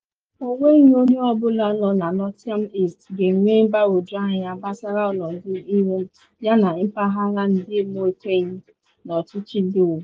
Ọnweghị onye ọ bụla nọ na Nottingham East ga-enwe mgbagwoju anya gbasara ọnọdụ iwu m yana mpaghara ndị mụ ekwenyeghị n’ọchịchị dị ugbu a.